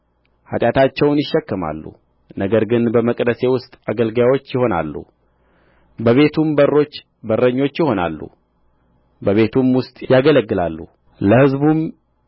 ኃጢአታቸውን ይሸከማሉ ነገር ግን በመቅደሴ ውስጥ አገልጋዮች ይሆናሉ በቤቱም በሮች በረኞች ይሆናሉ በቤቱም ውስጥ ያገለግላሉ ለሕዝቡም